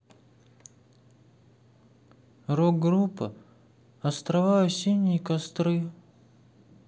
рок группа острова осенние костры